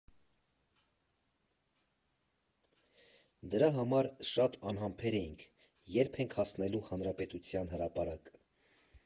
Դրա համար շատ անհամբեր էինք՝ երբ ենք հասնելու Հանրապետության հրապարակ։